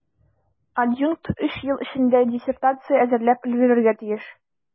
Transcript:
Адъюнкт өч ел эчендә диссертация әзерләп өлгерергә тиеш.